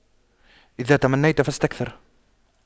إذا تمنيت فاستكثر